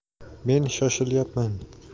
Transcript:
men shoshilayapman